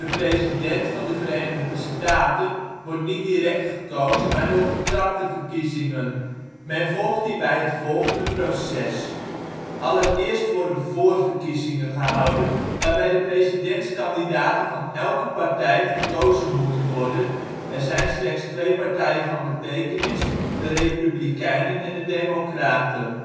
president van de Verenigde Staten wordt, in tegenstelling tot wat veel mensen denken, niet direct gekozen maar door getrapte verkiezingen. Men volgt hierbij een vrij ingewikkeld proces: allereerst worden voorverkiezingen gehouden, waarbij de presidentskandidaten van elke partij gekozen moeten worden (Er zijn slechts twee partijen van betekenis: de Republikeinen en de Democraten